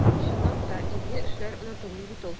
Чынлап та, изге эшләр онытылмый бит ул.